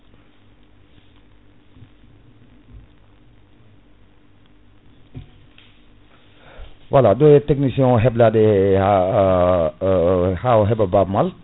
voilà ɗo e technicien o heblade ha o heeɓa Baba Maal